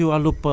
waaw